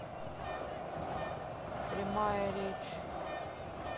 прямая речь